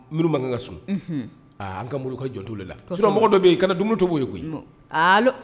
Ba ka sun an ka mori ka jɔn' la so dɔ bɛ yen i kana dumuni to' ye koyi